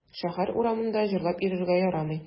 Шәһәр урамында җырлап йөрергә ярамый.